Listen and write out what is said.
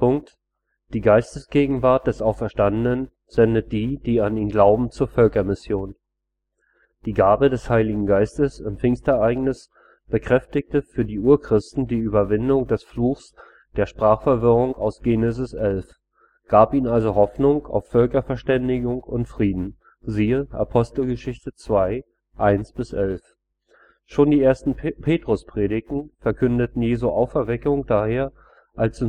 Die Geistesgegenwart des Auferstandenen sendet die, die an ihn glauben, zur Völkermission Die Gabe des Heiligen Geistes im Pfingstereignis bekräftigte für die Urchristen die Überwindung des Fluchs der Sprachverwirrung (Gen 11), gab ihnen also Hoffnung auf Völkerverständigung und Frieden (Apg 2,1 – 11). Schon die ersten Petruspredigten verkündeten Jesu Auferweckung daher als